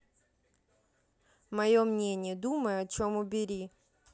мое мнение думаю о чем убери